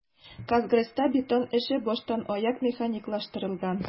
"казгрэс"та бетон эше баштанаяк механикалаштырылган.